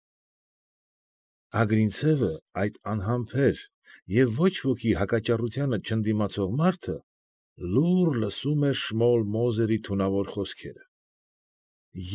Ագրինցևը, այդ անհամբեր և ոչ ոքի հակաճառությանը չընդդիմացող մարդը, լուռ լսում էր Շմուլ Մոզերի թունավոր խոսքերը։